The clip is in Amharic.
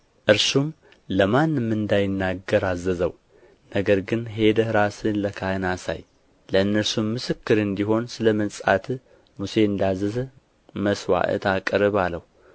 እርሱም ለማንም እንዳይናገር አዘዘው ነገር ግን ሄደህ ራስህን ለካህን አሳይ ለእነርሱም ምስክር እንዲሆን ስለ መንጻትህ ሙሴ እንዳዘዘ መሥዋዕት አቅርብ አለው